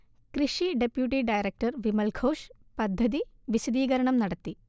കൃഷി deputy director Vimalghosh പദ്ധതി വിശദീകരണം നടത്തി